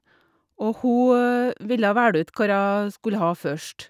Og hun ville velge ut hva hun skulle ha først.